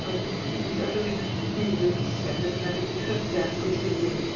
A wedyn munud oedd rhywun yn wneud y weithred a dyna be 'di cryfder gweithredu...